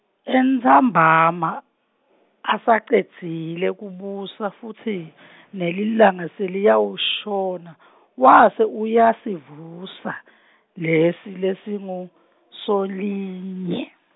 Entsambama, asacedzile kubusa futsi nelilanga seliyawashona wase uyasivusa lesi lesinguSolinye.